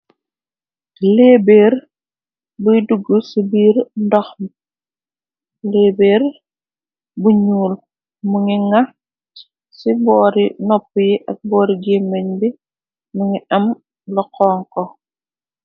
Léebeer buy duggu ci biir ndox léebeer bu ñyuul mungi nga ci boori nopp yi ak boori gi meñ bi mungi am la xon ko.